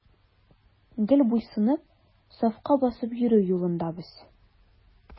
Гел буйсынып, сафка басып йөрү юлында без.